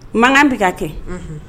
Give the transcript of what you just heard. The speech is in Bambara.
Mankan bɛ ka kɛ